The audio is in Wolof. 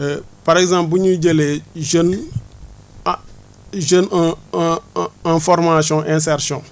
par exemple bu ñu jëlee jeunes ah jeune un un un un formation insertion